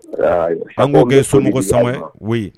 Aa an k'o kɛ sounu san wuli